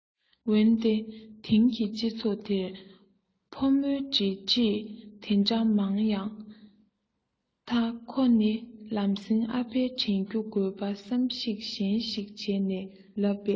ན ཏེ དེང གི སྤྱི ཚོགས དེར ཕོ མོའི འབྲེལ འདྲིས འདི འདྲ མང ཡང མཐའ ཁོ ནི ལམ སེང ཨ ཕའི དྲན རྒྱུ དགོས པ བསམ གཞིག གཞན ཞིག བྱས ན ལབ པས